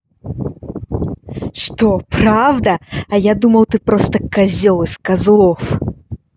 что правда а я думал ты просто козел из козлов